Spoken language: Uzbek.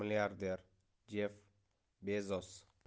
milliarder jeff bezos